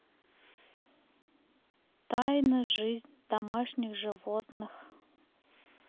тайна жизнь домашних животных